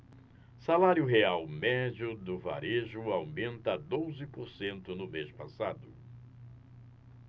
salário real médio do varejo aumenta doze por cento no mês passado